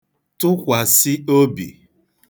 tụkwàsị̀ obì